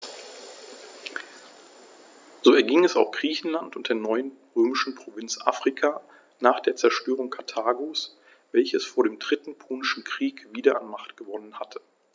So erging es auch Griechenland und der neuen römischen Provinz Afrika nach der Zerstörung Karthagos, welches vor dem Dritten Punischen Krieg wieder an Macht gewonnen hatte.